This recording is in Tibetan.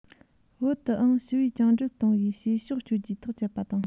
བོད དུའང ཞི བའི བཅིངས འགྲོལ གཏོང རྒྱུའི བྱེད ཕྱོགས སྤྱོད རྒྱུའི ཐག བཅད པ དང